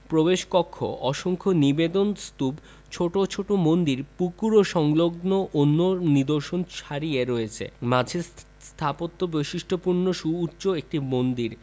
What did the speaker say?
প্রবেশপথ অসংখ্য নিবেদন স্তূপ ছোট ছোট মন্দির পুকুর ও সংলগ্ন অন্যান্য নিদর্শন ছাড়িয়ে রয়েছে মাঝে স্থাপত্য বৈশিষ্ট্যপূর্ণ সুউচ্চ একটি মন্দির